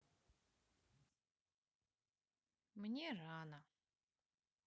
мне рано